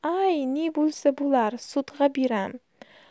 ayni bo'lsa bo'lar sudg'a biram